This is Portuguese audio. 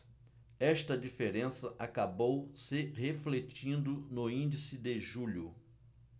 esta diferença acabou se refletindo no índice de julho